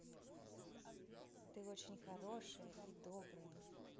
ты очень хорошая и добрая